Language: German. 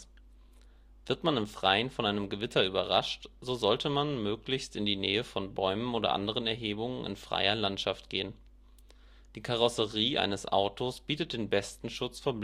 man im Freien von einem Gewitter überrascht, so sollte man möglichst nicht in die Nähe von Bäumen oder anderen Erhebungen in freier Landschaft gehen. Die Karosserie eines Autos bietet den besten Schutz vor